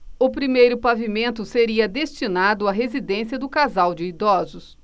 o primeiro pavimento seria destinado à residência do casal de idosos